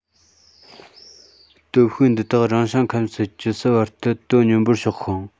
སྟོབས ཤུགས འདི དག རང བྱུང ཁམས སུ ཇི སྲིད བར དུ དོ སྙོམས པོར ཕྱོགས ཤིང